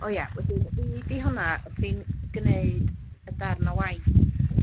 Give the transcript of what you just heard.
O ia, wedyn fi 'di honna wrthi'n gneud y darn o waith